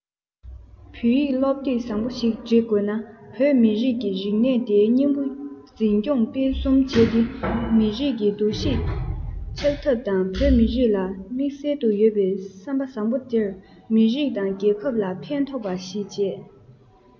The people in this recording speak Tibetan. བོད ཡིག སློབ དེབ བཟང བོ ཞིག བསྒྲིག དགོས ན བོད མི རིགས ཀྱི རིག གནས འདིའི སྙིང བོ འཛིན སྐྱོང སྤེལ གསུམ བྱས ཏེ མི རིགས ཀྱི འདུ ཤེས ཆགས ཐབས དང བོད མི རིགས ལ དམིགས བསལ དུ ཡོད པའི བསམ པ བཟང བོ དེར མི རིགས དང རྒྱལ ཁབ ལ ཕན ཐོགས པ གཞི བྱས